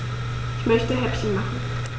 Ich möchte Häppchen machen.